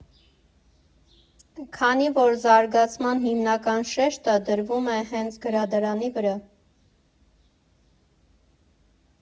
Քանի որ զարգացման հիմնական շեշտը դրվում է հենց գրադարանի վրա։